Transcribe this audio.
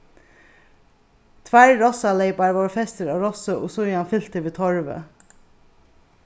tveir rossaleypar vórðu festir á rossið og síðan fyltir við torvi